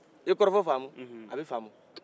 i ye kɔrɔfɔ famu nhun hun a bɛ famu